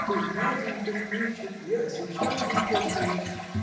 Тут Наденька кличет, я сейчас же и проснулась.